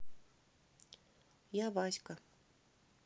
я васька